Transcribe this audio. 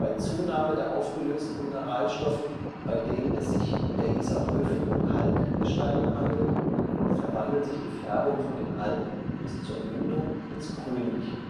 Zunahme der aufgelösten Mineralstoffen, bei denen es sich in der Isar häufig um Kalkgesteine handelt, verwandelt sich die Färbung von den Alpen bis zur Mündung ins Grünliche